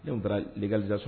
Dɔnku taara lakali so